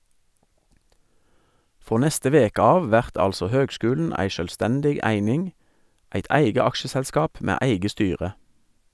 Frå neste veke av vert altså høgskulen ei sjølvstendig eining, eit eige aksjeselskap med eige styre.